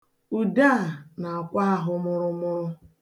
Ude a na-akwọ ahụ mụrụmụrụ.